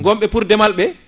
gomɓe pour deemal ɓe